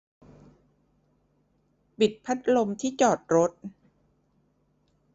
ปิดพัดลมที่จอดรถ